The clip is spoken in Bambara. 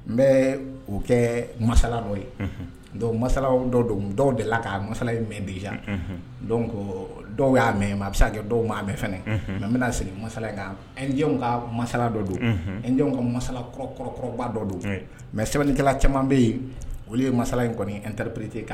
N bɛ kɛ masala dɔ ye don masala don dɔw de la ka masala mɛ djan ko dɔw y'a mɛ mɛ bɛ se kɛ dɔw'a mɛ mɛ n bɛnaa sigi masaj ka masala dɔ don nj ka masakɔrɔkɔrɔkɔrɔbaba dɔ don mɛ sɛbɛnnikɛla caman bɛ yen olu ye masala in kɔnipreperete kan